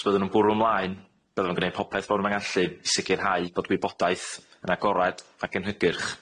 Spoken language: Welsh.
Os byddwn yn bwrw 'mlaen byddwn yn gneud popeth fyddwn yn gallu i sicrhau bod wybodaeth yn agored ac yn hygyrch,